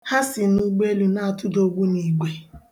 Ha si na ụgbọelu na-atụda ogbuniigwe